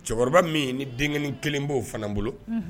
Cɛkɔrɔba min ni den kelen kelen b'o fana bolo